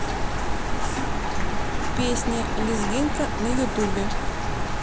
песня лезгинка на ютубе